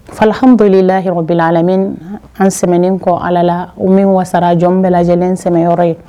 Fa welela yɔrɔ bila la an sɛen kɔ ala la u min wasara jɔn bɛɛ lajɛ lajɛlenlen sɛyɔrɔ ye